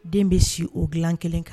Den bɛ si o dilan kelen kan